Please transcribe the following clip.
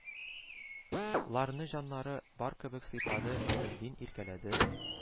Ларны җаннары бар кебек сыйпады мәүлетдин, иркәләде